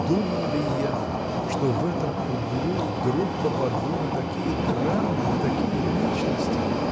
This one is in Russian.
— Думал ли я, что в этом углу вдруг попаду на такие драмы, на такие личности?